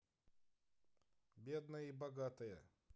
бедная и богатая